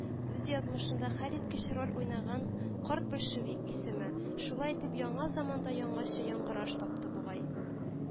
Үз язмышында хәлиткеч роль уйнаган карт большевик исеме, шулай итеп, яңа заманда яңача яңгыраш тапты бугай